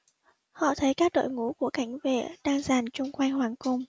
họ thấy các đội ngũ của cảnh vệ đang dàn chung quanh hoàng cung